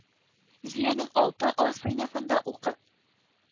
Зиянең алты а сыйныфында укып